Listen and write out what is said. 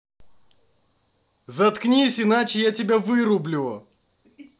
заткнись иначе я тебя вырублю